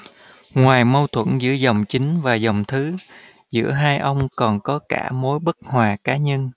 ngoài mâu thuẫn giữa dòng chính và dòng thứ giữa hai ông còn có cả mối bất hòa cá nhân